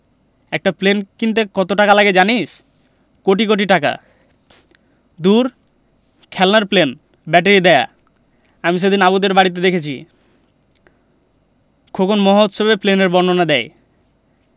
একটা প্লেন কিনতে কত টাকা লাগে জানিস কোটি কোটি টাকা দূর খেলনার প্লেন ব্যাটারি দেয়া আমি সেদিন আবুদের বাড়িতে দেখেছি খোকন মহা উৎসাহে প্লেনের বর্ণনা দেয়